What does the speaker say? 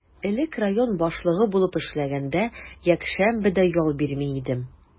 Элек район башлыгы булып эшләгәндә, якшәмбе дә ял бирми идем.